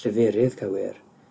lleferydd cywir,